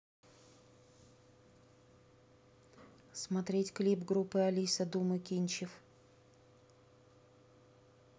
смотреть клип группы алиса думы кинчев